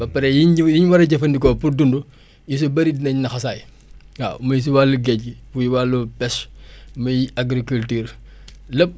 ba pare yiñ yiñ war a jëfandikoo pour dund yu si bëri dinañ naxsaay waaw muy si wàllu géej gi muy wàllu pêche muy agriculture lépp